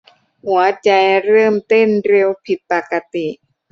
หัวใจเริ่มเต้นเร็วผิดปกติ